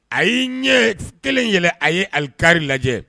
A' ɲɛ kelen yɛlɛ a ye alikariri lajɛ